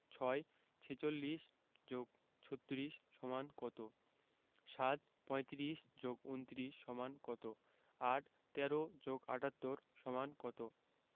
৬ ৪৬ + ৩৬ = কত ৭ ৩৫ + ২৯ = কত ৮ ১৩ + ৭৮ = কত